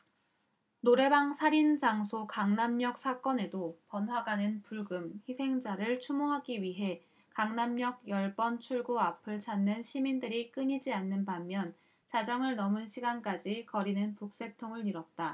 노래방 살인 장소 강남역 사건에도 번화가는 불금 희생자를 추모하기 위해 강남역 열 번 출구 앞을 찾는 시민들이 끊이지 않는 반면 자정을 넘은 시간까지 거리는 북새통을 이뤘다